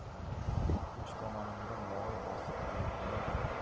uch tomonimizdan yog'iy bostirib kelibdimi a